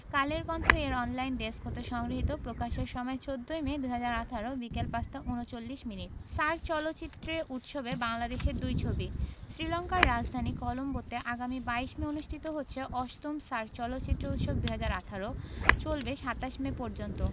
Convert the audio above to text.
কালের কণ্ঠ এর অনলাইনে ডেস্ক হতে সংগৃহীত প্রকাশের সময় ১৪মে ২০১৮ বিকেল ৫টা ৩৯ মিনিট সার চলচ্চিত্র উৎসবে বাংলাদেশের দুই ছবি শ্রীলংকার রাজধানী কলম্বোতে আগামী ২২ মে অনুষ্ঠিত হচ্ছে ৮ম সার্ক চলচ্চিত্র উৎসব ২০১৮ চলবে ২৭ মে পর্যন্ত